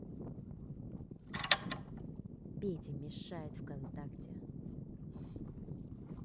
петя мешает вконтакте